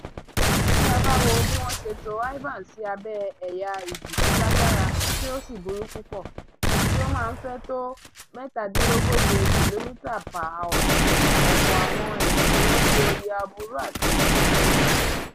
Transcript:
Bí a bá wo bí wọ́n ṣe to Ivan sí abẹ́ẹ ẹ̀yà ìjì tó lágbára tó sì burú pupọ̀ tí ó máa ń fẹ́ tó 137 km/h, ọ̀pọ̀ àwọn èyan ló ń ro iye aburú àti ìbàjẹ́ tó ṣe.